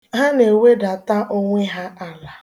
Ha na-ewedata onwe ha ala.